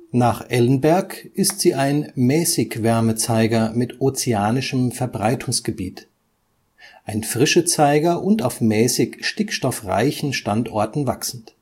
Nach Ellenberg ist sie ein Mäßigwärmezeiger mit ozeanischem Verbreitungsgebiet, ein Frischezeiger und auf mäßig stickstoffreichen Standorten wachsend